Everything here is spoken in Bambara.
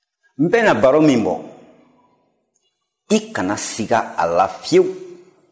n bɛna baro min bɔ i kana siga a la fyewu